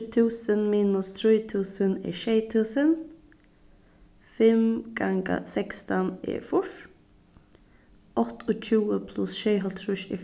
túsund minus trý túsund er sjey túsund fimm ganga sekstan er fýrs áttaogtjúgu pluss sjeyoghálvtrýss er